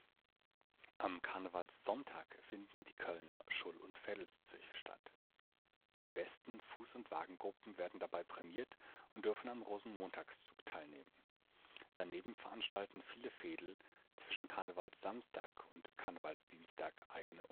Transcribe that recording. Am Karnevalssonntag finden die Kölner Schull - un Veedelszöch statt. Die besten Fuß - und Wagengruppen werden dabei prämiert und dürfen am Rosenmontagszug teilnehmen. Daneben veranstalten viele Veedel zwischen Karnevalssamstag und Karnevalsdienstag eigene